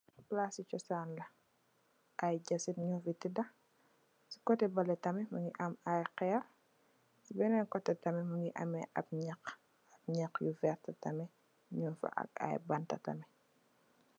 Palace su josan la, ay jazit noo fi tada, ci kotè bellè tamit mungi am ay haer. Ci benen ko tamit mungi ameh ab nyah, nyah yu vert ta tamit nung fa ak ay bant tamit.